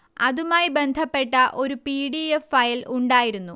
അതുമായി ബന്ധപ്പെട്ട ഒരു പി ഡി എഫ് ഫയൽ ഉണ്ടായിരുന്നു